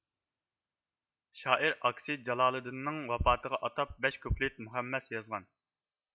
شائىر ئاكىسى جالالىدىننىڭ ۋاپاتىغا ئاتاپ بەش كۇپلېتلىق مۇخەممەس يازغان